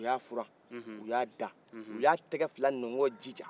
u y'a foran u y'a da u y'a tɛgɛ fila nɔgɔn jiija